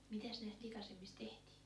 mitäs näistä likaisemmista tehtiin